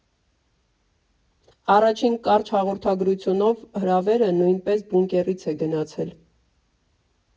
Առաջին կարճ հաղորդագրությունով հրավերը նույնպես «Բունկերից» է գնացել։